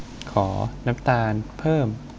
ขอน้ำตาลเพิ่ม